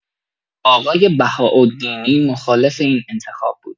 آقای بهاالدینی مخالف این انتخاب بود.